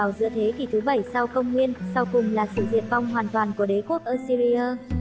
vào giữa thế kỷ thứ sau công nguyên sau cùng là sự diệt vong hoàn toàn của đế quốc assyria